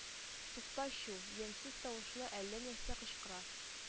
Тукта, чү! Ямьсез тавышлы әллә нәрсә кычкыра.